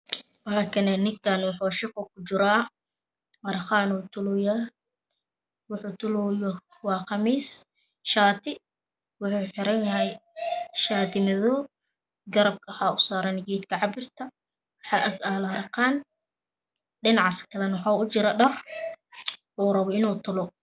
Waakana ninkan wuxuu shaquu ku jiraa harqaan uu talooya wuxuu talooyo waa khamiis shaati wuxuu xiranyahay shaati madow garabka waxaa usaaran geedka cabirka waxaa agyaalo harqaan dhinacaas kale waxaa u jira dhar uu rabo inuu talo